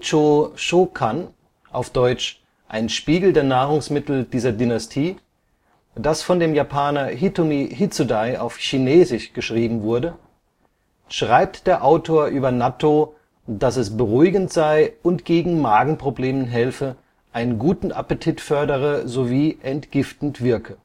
Honchō Shokkan, Deutsch: Ein Spiegel der Nahrungsmittel dieser Dynastie), das von dem Japaner Hitomi Hitsudai auf Chinesisch geschrieben wurde, schreibt der Autor über Nattō, dass es beruhigend sei und gegen Magenprobleme helfe, einen guten Appetit fördere sowie entgiftend wirke